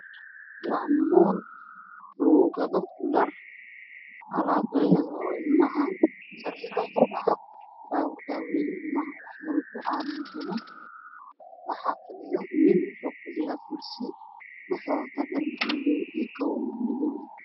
Waa mool lagu gado dhar alaabyada oo ilmaha sariiraha ilmaha baabuur baabuureed ilmaha wax fadhiyo nin wuxuu ku fadhiyaa kursi wuxuu wataa dhar iyo kabo madow